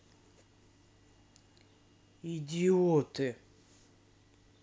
идиоты